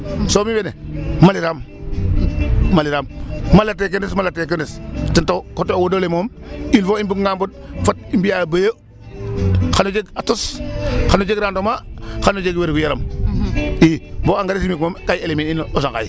Soo mi' fene maliraam, maliraam, malatee gendes, malatee gendes ten taxu coter o wod ole moom il faut i mbuganga mbod fat i mbi'aa bo xan o jeg a tos, xan o jeg rendement "xan o jeg wergu yaram i bo engrais chimique moom ka i éliminer in o Sangaye.